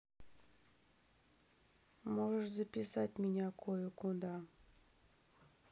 можешь записать меня кое куда